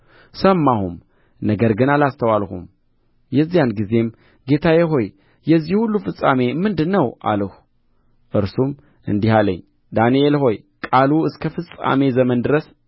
ሰማሁም ነገር ግን አላስተዋልሁም የዚያን ጊዜም ጌታዬ ሆይ የዚህ ሁሉ ፍጻሜ ምንድር ነው አልሁ እርሱም እንዲህ አለኝ ዳንኤል ሆይ ቃሉ እስከ ፍጻሜ ዘመን ድረስ